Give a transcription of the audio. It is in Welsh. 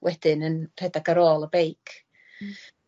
Wedyn yn rhedag ar ôl y beic. Hmm.